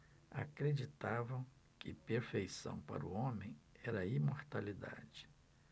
acreditavam que perfeição para o homem era a imortalidade